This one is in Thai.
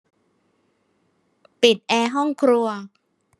ปิดแอร์ห้องครัว